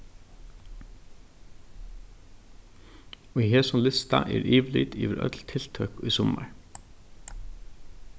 í hesum lista er yvirlit yvir øll tiltøk í summar